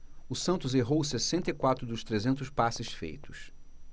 o santos errou sessenta e quatro dos trezentos passes feitos